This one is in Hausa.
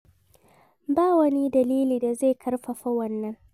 Ba wani dalili da zai ƙarfafa wannan.